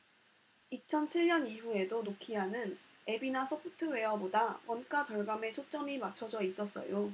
이천 칠 년 이후에도 노키아는 앱이나 소프트웨어보다 원가절감에 초점이 맞춰져 있었어요